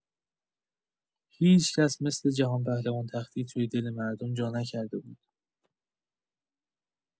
هیچ‌کس مثل جهان‌پهلوان تختی توی دل مردم جا نکرده بود.